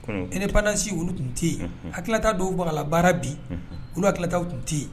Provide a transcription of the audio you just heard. Ne ni pansi olu tun tɛ yen a tilalata dɔwugla baara bi olu ka ki tilalata tun tɛ yen